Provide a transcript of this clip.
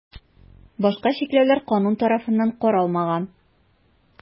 Башка чикләүләр канун тарафыннан каралмаган.